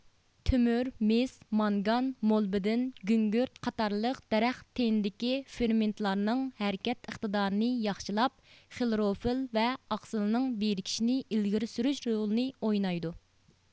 تۆمۈر مىس مانگان مولىبدېن گۈڭگۈرت قاتارلىقلار دەرەخ تېنىدىكى فېرمېنتلارنىڭ ھەرىكەت ئىقتىدارىنى ياخشىلاپ خلوروفىل ۋە ئاقسىلنىڭ بىرىكىشىنى ئىلگىرى سۈرۈش رولىنى ئوينايدۇ